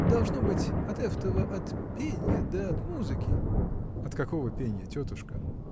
Должно быть, от эфтого от пенья да от музыки. -- От какого пенья, тетушка?